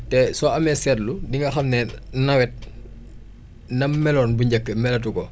te soo amee seetlu di nga xam ne nawet nam meloon bu njëkk melatu ko